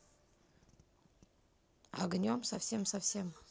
огнем совсем совсем